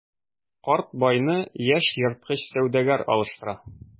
Карт байны яшь ерткыч сәүдәгәр алыштыра.